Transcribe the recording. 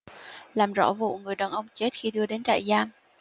làm rõ vụ người đàn ông chết khi đưa đến trại giam